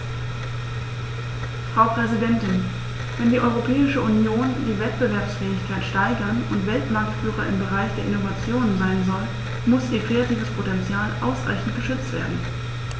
Frau Präsidentin, wenn die Europäische Union die Wettbewerbsfähigkeit steigern und Weltmarktführer im Bereich der Innovation sein soll, muss ihr kreatives Potential ausreichend geschützt werden.